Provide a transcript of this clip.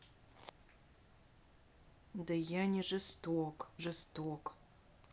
да я не жесток жесток